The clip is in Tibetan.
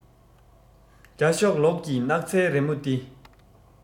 རྒྱ ཤོག ལོགས ཀྱི སྣག ཚའི རི མོ འདི